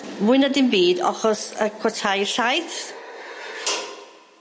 ...mwy na dim byd ochos y cwotai llaeth.